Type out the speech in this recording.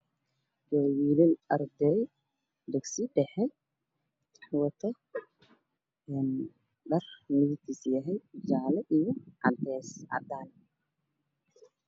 Waa wiilal arday dugsi dhexe wato dhar midabkiisu yahay jaalle iyo cadees caddaan